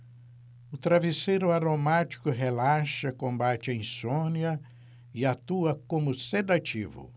o travesseiro aromático relaxa combate a insônia e atua como sedativo